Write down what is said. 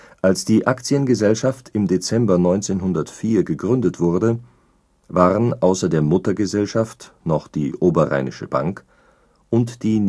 Als die Aktiengesellschaft im Dezember 1904 gegründet wurde, waren außer der Muttergesellschaft noch die Oberrheinische Bank und die